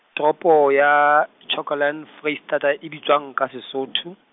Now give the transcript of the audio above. Toropo ya Clocolan Foreisetata, e bitswang ka Sesotho.